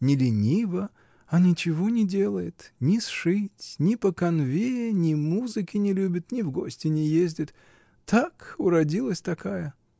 Не ленива, а ничего не делает: ни сшить, ни по канве, ни музыки не любит, ни в гости не ездит — так, уродилась такая!